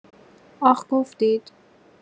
آخ گفتید!